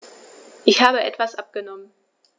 Ich habe etwas abgenommen.